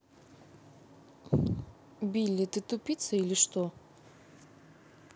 belle ты тупица или что